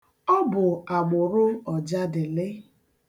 Ọ bụ agbụrụ Ọjadịlị